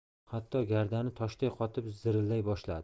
hatto gardani toshday qotib zirillay boshladi